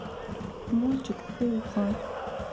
мультик уха